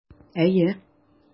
Әйе.